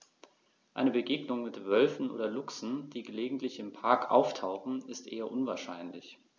Eine Begegnung mit Wölfen oder Luchsen, die gelegentlich im Park auftauchen, ist eher unwahrscheinlich.